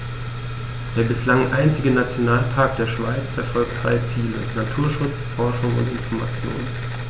Der bislang einzige Nationalpark der Schweiz verfolgt drei Ziele: Naturschutz, Forschung und Information.